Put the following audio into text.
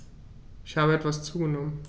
Ich habe etwas zugenommen